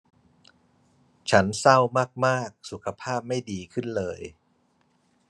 ฉันเศร้ามากมากสุขภาพไม่ดีขึ้นเลย